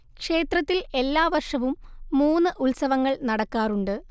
ക്ഷേത്രത്തിൽ എല്ലാ വർഷവും മൂന്ന് ഉത്സവങ്ങൾ നടക്കാറുണ്ട്